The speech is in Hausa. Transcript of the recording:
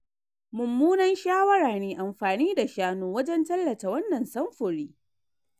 “Mummunan shawara ne amfani da shanu wajan tallata wannan samfuri.